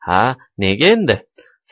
ha nega endi